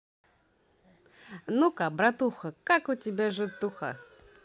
ну ка братуха как у тебя житуха